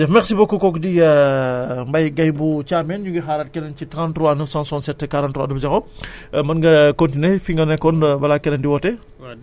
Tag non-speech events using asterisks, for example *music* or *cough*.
jërëjëf merci beaucoup kooku di *hesitation* Mbaye gaye bu Thiamène ñu ngi xaaraat keneen ci 33 967 43 00 *breath* mën ngaa continuer fi nga nekkoon balaa keneen di woote